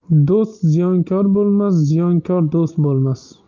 do'st ziyonkor bo'lmas ziyonkor do'st bo'lmas